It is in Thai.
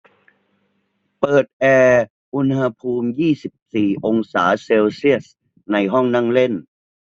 เปิดแอร์อุณหภูมิยี่สิบสี่องศาเซลเซียสในห้องนั่งเล่น